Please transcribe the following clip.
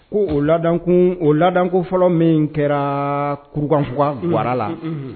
Ko o la o lako fɔlɔ min kɛrakanfugwa la